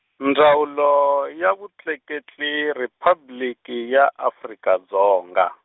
Ndzawulo, ya Vutleketli Riphabliki ya Afrika Dzonga.